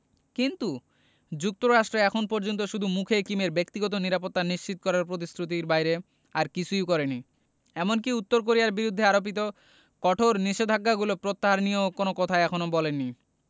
কিন্তু যুক্তরাষ্ট্র এখন পর্যন্ত শুধু মুখে কিমের ব্যক্তিগত নিরাপত্তা নিশ্চিত করার প্রতিশ্রুতির বাইরে আর কিছুই করেনি এমনকি উত্তর কোরিয়ার বিরুদ্ধে আরোপিত কঠোর নিষেধাজ্ঞাগুলো প্রত্যাহার নিয়েও কোনো কথা এখনো বলেনি